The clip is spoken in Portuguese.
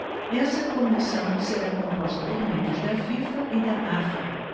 essa comissão será composta por membros da fifa e da afa